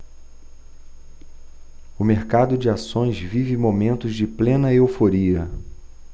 o mercado de ações vive momentos de plena euforia